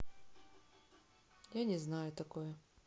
я не знаю такое